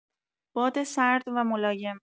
باد سرد و ملایم